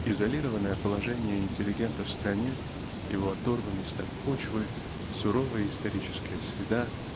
Изолированное положение интеллигента в стране его оторванность от почвы суровая историческая среда